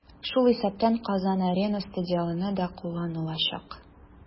Шул исәптән "Казан-Арена" стадионы да кулланылачак.